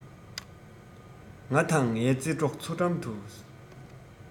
ང དང ངའི བརྩེ གྲོགས འཚོ འགྲམ དུ